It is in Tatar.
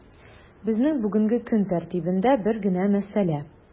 Безнең бүгенге көн тәртибендә бер генә мәсьәлә: